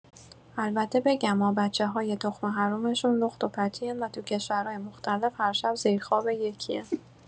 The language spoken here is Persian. البته بگما بچه‌های تخم حرومشون لخت و پتی ان و تو کشورای مختلف هر شب زیرخواب یکی ان